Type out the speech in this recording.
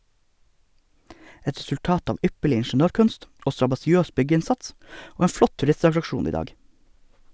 Et resultat av ypperlig ingeniørkunst og strabasiøs byggeinnsats, og en flott turistattraksjon i dag.